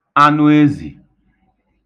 anụezì